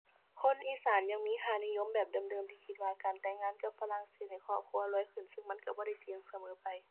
คนอีสานยังมีค่านิยมแบบเดิมเดิม ที่คิดว่าการแต่งงานกับฝรั่ง สิเฮ็ดให้ครอบครัวรวยขึ้น ซึ่งมันก็บ่ได้จริงเสมอไป